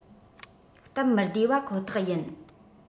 སྟབ མི བདེ བ ཁོ ཐག ཡིན